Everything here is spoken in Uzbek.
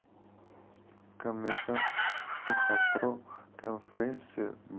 kommersant ushbu xalqaro konferensiya